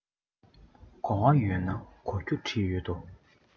གོ བ ཡོད ན གོ རྒྱུ བྲིས ཡོད དོ